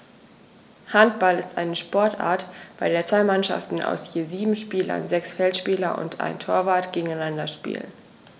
Handball ist eine Sportart, bei der zwei Mannschaften aus je sieben Spielern (sechs Feldspieler und ein Torwart) gegeneinander spielen.